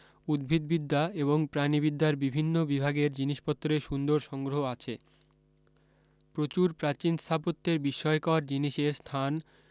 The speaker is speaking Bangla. উদ্ভিদবিদ্যা এবং প্রাণীবিদ্যার বিভিন্ন বিভাগের জিনিসপত্রের সুন্দর সংগ্রহ আছে প্রচুর প্রাচীন স্থাপত্যের বিষ্ময়কর জিনিসের স্থান